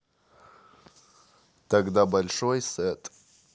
тогда большой сет